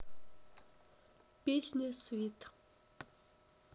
песня свит